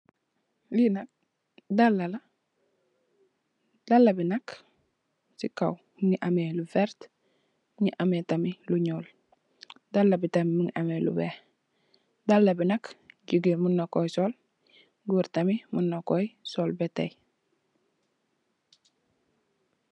Lenak dala lah, dala bi ci kaw mingi ammi lo wert mingi ammi tarmit lo nool dala bi nak jigeen munnakoyi sol goor tamit munnakoyi sol.